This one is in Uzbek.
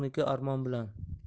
yo'qniki armon bilan